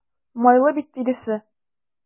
Майлы бит тиресе.